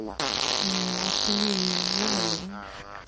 matvey жабин